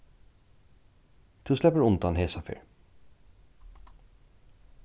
tú sleppur undan hesa ferð